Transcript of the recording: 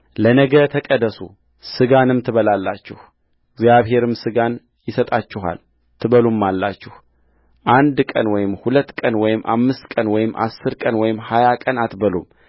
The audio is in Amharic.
ለነገ ተቀደሱ ሥጋንም ትበላላችሁ እግዚአብሔርም ሥጋን ይሰጣችኋል ትበሉማላችሁአንድ ቀን ወይም ሁለት ቀን ወይም አምስት ቀን ወይም አሥር ቀን ወይም ሀያ ቀን አትበሉም